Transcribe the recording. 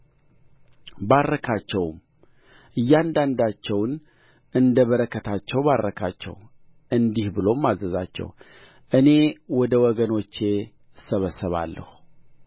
ባረካቸውም እያንዳንዳቸውን እንደ በረከታቸው ባረካቸው እንዲህ ብሎም አዘዛቸው እኔ ወደ ወገኖቼ እሰበሰባለሁ